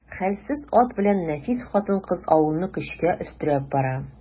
Хәлсез ат белән нәфис хатын-кыз авылны көчкә өстерәп бара.